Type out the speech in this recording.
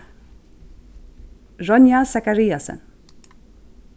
ronja zachariasen